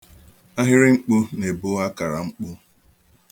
Ahịrị mkpu na-ebu akara mkpu.